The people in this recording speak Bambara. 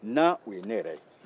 na o ye ne yɛrɛ ye